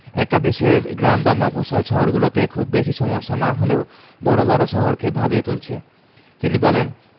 এটা দেশের গ্রাম বা মফস্বল শহরগুলোতে খুব বেশি সমস্যা না হলেও বড় বড় শহরকে ভাবিয়ে তুলছে তিনি বলেন